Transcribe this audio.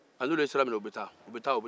a n'olu ye sira minɛ u bɛ taa u bɛ taa